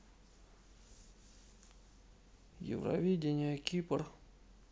евровидение кипр